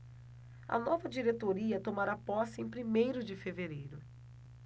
a nova diretoria tomará posse em primeiro de fevereiro